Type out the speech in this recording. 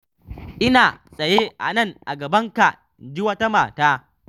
“Ina tsaye a nan a gabanka,” inji wata mata.